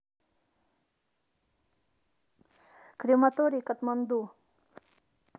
крематорий катманду